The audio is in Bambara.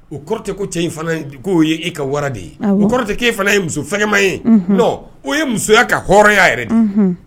U kɔrɔtɛ ko cɛ ko ye e ka wara de ye o kɔrɔtɛ k'e fana ye musofɛnma ye u ye musoya ka hɔrɔnya yɛrɛ